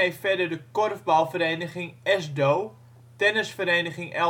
verder de korfbalvereniging ESDO, Tennisvereniging